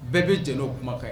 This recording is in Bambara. Bɛɛ bɛ jɛ' o kumakan